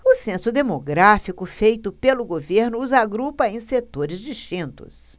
o censo demográfico feito pelo governo os agrupa em setores distintos